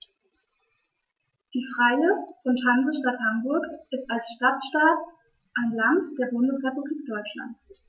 Die Freie und Hansestadt Hamburg ist als Stadtstaat ein Land der Bundesrepublik Deutschland.